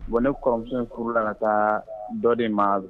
Bon ne kɔrɔmuso kuru la ka taa dɔ de ma